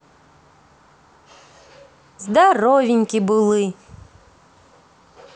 здоровеньки булы